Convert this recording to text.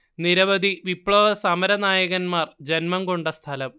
നിരവധി വിപ്ലവ സമരനായകന്മാർ ജന്മം കൊണ്ട സ്ഥലം